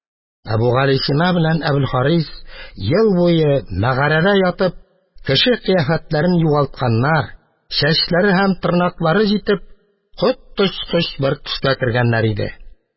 Әбүгалисина белән Әбелхарис, ел буе мәгарәдә ятып, кеше кыяфәтләрен югалтканнар, чәчләре һәм тырнаклары җитеп, коточкыч бер төскә кергәннәр иде.